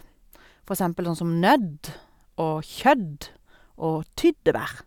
For eksempel sånn som nedd og kjødd og tyddebær.